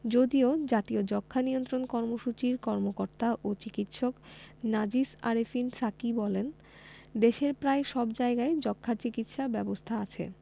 যদিও জাতীয় যক্ষ্মা নিয়ন্ত্রণ কর্মসূচির কর্মকর্তা ও চিকিৎসক নাজিস আরেফিন সাকী বলেন দেশের প্রায় সব জায়গায় যক্ষ্মার চিকিৎসা ব্যবস্থা আছে